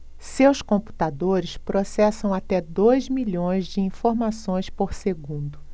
seus computadores processam até dois milhões de informações por segundo